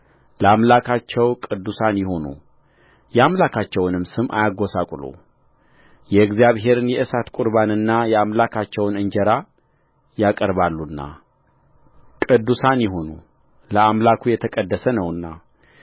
ለአምላካቸው ቅዱሳን ይሁኑ የአምላካቸውንም ስም አያጐስቍሉ የእግዚአብሔርን የእሳት ቍርባንና የአምላካቸውን እንጀራ ያቀርባሉና ቅዱሳን ይሁኑለአምላኩ የተቀደሰ ነውና